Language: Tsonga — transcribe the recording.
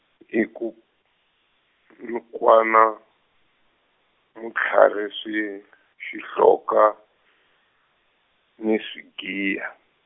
hiku mikwana matlhari swi swihloka ni swigiya.